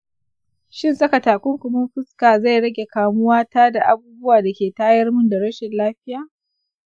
shin saka takunkumin fuska zai rage kamuwa ta da abubuwan da ke tayar min da rashin lafiya?